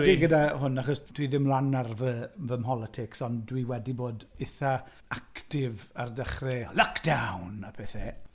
Yn enwedig gyda hwn, achos dwi ddim lan ar fy, fy mholitics ond dwi wedi bod eitha actif ar dechrau lockdown a pethau.